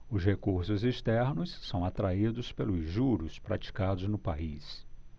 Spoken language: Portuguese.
os recursos externos são atraídos pelos juros praticados no país